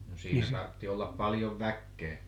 no siinä tarvitsi olla paljon väkeä